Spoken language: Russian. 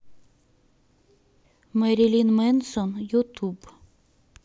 мэрилин мэнсон ютуб